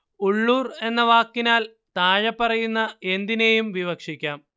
ഉള്ളൂര്‍ എന്ന വാക്കിനാല്‍ താഴെപ്പറയുന്ന എന്തിനേയും വിവക്ഷിക്കാം